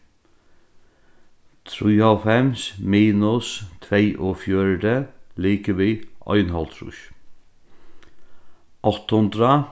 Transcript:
trýoghálvfems minus tveyogfjøruti ligvið einoghálvtrýss átta hundrað